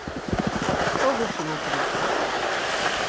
кто выше на три